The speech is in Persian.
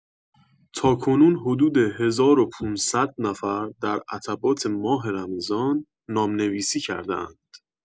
تاکنون حدود هزار و ۵۰۰ نفر در عتبات ماه رمضان نام‌نویسی کرده‌اند.